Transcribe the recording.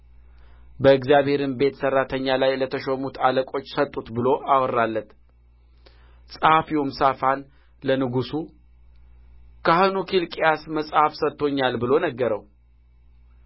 በእግዚአብሔርም ቤት ሠራተኞች ላይ ለተሾሙት አለቆች ሰጡት ብሎ አወራለት ጸሐፊውም ሳፋን ለንጉሡ ካህኑ ኬልቅያስ መጽሐፍ ሰጥቶኛል ብሎ ነገረው